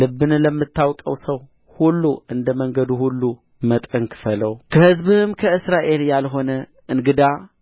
ልቡን ለምታውቀው ሰው ሁሉ እንደ መንገዱ ሁሉ መጠን ክፈለው ከሕዝብህም ከእስራኤል ያልሆነ እንግዳ